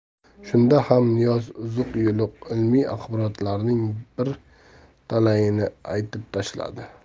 shunda ham niyoz uzuq yuluq ilmiy axborotlarning bir talayini aytib tashladi